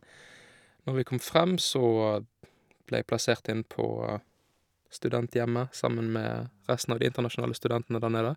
Når vi kom frem, så ble jeg plassert inn på studenthjemmet sammen med resten av de internasjonale studentene der nede.